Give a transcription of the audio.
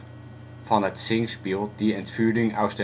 van het Singspiel Die Entführung aus